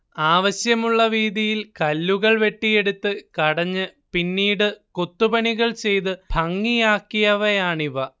ആവശ്യമുള്ള വീതിയിൽ കല്ലുകൾ വെട്ടിയെടുത്ത് കടഞ്ഞ് പിന്നീട് കൊത്തുപണികൾ ചെയ്ത് ഭംഗിയാക്കിയവയാണിവ